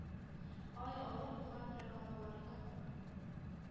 Ай, авыр булгандыр аңа боларның